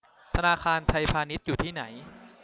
ธนาคารไทยพาณิชย์อยู่ที่ไหน